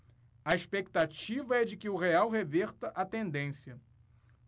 a expectativa é de que o real reverta a tendência